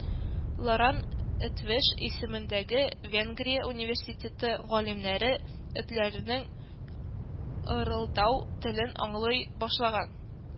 Лоран Этвеш исемендәге Венгрия университеты галимнәре этләрнең ырылдау телен аңлый башлаган